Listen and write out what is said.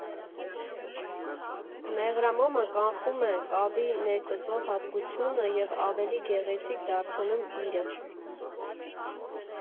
Մեղրամոմը կանխում է կավի ներծծող հատկությունը և ավելի գեղեցիկ դարձնում իրը։